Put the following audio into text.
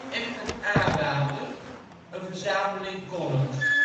Echt Een Aanrader - Een verzameling columns